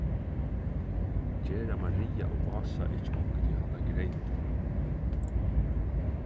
gera maria og ása ikki onkuntíð handan greytin